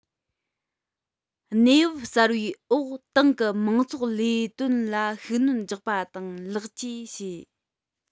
གནས བབ གསར པའི འོག ཏང གི མང ཚོགས ལས དོན ལ ཤུགས སྣོན རྒྱག པ དང ལེགས བཅོས བྱས